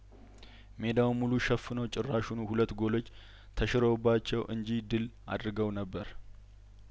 ሜዳውን ሙሉ ሸፍነው ጭራ ሽኑ ሁለት ጐሎች ተሽረውባቸው እንጂ ድል አድርገው ነበር